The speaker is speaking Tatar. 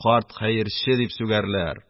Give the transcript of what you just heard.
"карт хәерче" дип сүгәрләр...